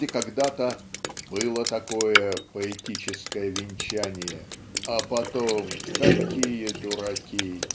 где когда-то "было такое поэтическое венчание а потом какие дураки!